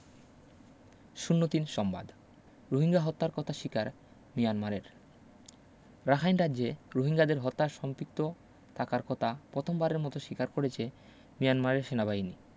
০৩সংবাদ Rohingya হত্যার কথা স্বীকার মিয়ানমারের রাখাইন রাজ্যে রোহিঙ্গাদের হত্যায় সম্পিক্ত থাকার কথা পথমবারের মতো স্বীকার করেছে মিয়ানমারের সেনাবাহিনী